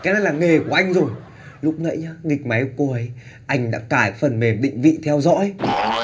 cái này là nghề của anh rồi lúc nãy nhá nghịch máy của cô ấy anh đã cài phần mềm định vị theo dõi